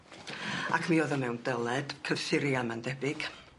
Ac mi o'dd o mewn dyled cyffuria ma'n debyg.